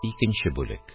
Икенче бүлек